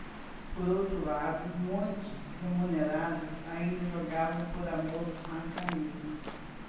por outro lado muitos remunerados ainda jogavam por amor à camisa